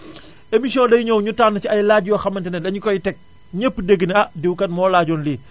émission day ñëw ñu tànn ci ay laaj yoo xamante ne dañu koy teg ñépp dégg ne ah diw kat moo laajoon lii